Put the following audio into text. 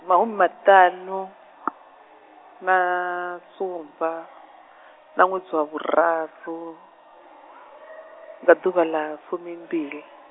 mahumimaṱanu, na sumba, na ṅwedzi wa vhuraru, nga ḓuvha ḽa fumimbili.